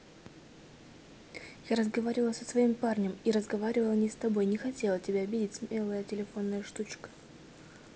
я разговаривала со своим парнем и разговаривала не с тобой не хотела тебя обидеть смелая телефонная штучка